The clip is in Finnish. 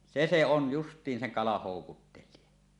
se se on justiin sen kalan houkuttelija